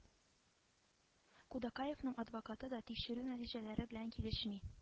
Кудакаевның адвокаты да тикшерү нәтиҗәләре белән килешми